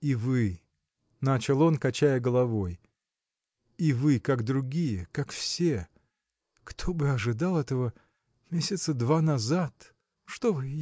– И вы, – начал он, качая головой, – и вы, как другие, как все!. Кто бы ожидал этого. месяца два назад?. – Что вы?